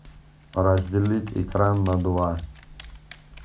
разделить экран на два